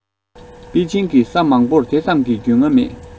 པེ ཅིང གི ས མང པོར དེ ཙམ གྱི རྒྱུས མངའ མེད